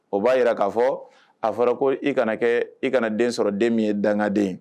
O b'a jira k'a fɔ, a fɔra ko i kana kɛ i kana den sɔrɔ den min ye dangaden ye